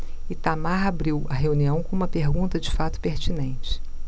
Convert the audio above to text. itamar abriu a reunião com uma pergunta de fato pertinente